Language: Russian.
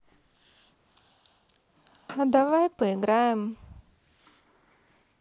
а давай поиграем